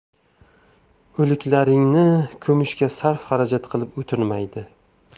o'liklaringni ko'mishga sarf xarajat qilib o'tirmaydi